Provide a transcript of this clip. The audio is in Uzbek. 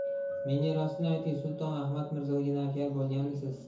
menga rostini ayting sulton ahmad mirzoga navkar bo'lganmisiz